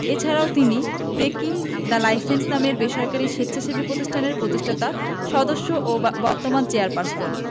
এ ছাড়া তিনি breaking the silence নামের বেসরকারি স্বেচ্ছাসেবী পতিষ্ঠানের পতিষ্ঠাতা সদস্য এবং বর্তমান চেয়ারপারসন